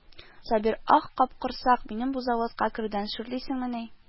Сабир: «Ах, капкорсак, минем бу заводка керүдән шүрлисеңмени